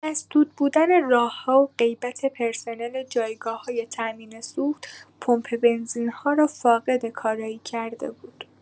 مسدودبودن راه‌ها و غیبت پرسنل جایگاه‌های تامین سوخت، پمپ بنزین‌ها را فاقد کارایی کرده بود.